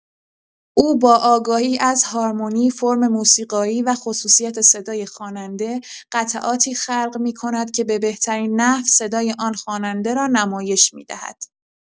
او با آگاهی از هارمونی، فرم موسیقایی و خصوصیت صدای خواننده، قطعاتی خلق می‌کند که به بهترین نحو صدای آن خواننده را نمایش می‌دهد.